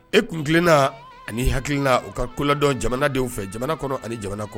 E kuntina ani hakiliina u ka kudɔn jamanadenw fɛ jamana kɔnɔ ani jamana kɔnɔ